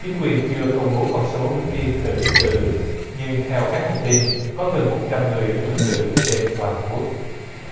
chính quyền chưa công bố con số ứng viên tự ứng cử nhưng theo các nguồn tin có gần một trăm người tự ứng cử trên toàn quốc